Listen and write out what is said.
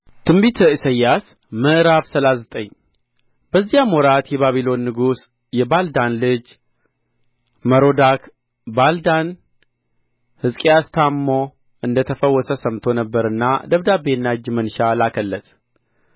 ትንቢተ ኢሳይያስ ምዕራፍ ሰላሳ ዘጠኝ በዚያም ወራት የባቢሎን ንጉሥ የባልዳን ልጅ መሮዳክ ባልዳን ሕዝቅያስ ታምሞ እንደ ተፈወሰ ሰምቶ ነበርና ደብዳቤና እጅ መንሻ ላከለት